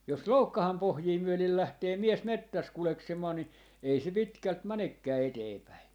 jos loukkaan pohjia myöden lähtee mies metsässä kuljeksimaan niin ei se pitkälti menekään eteenpäin